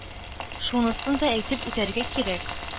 Шунысын да әйтеп үтәргә кирәк: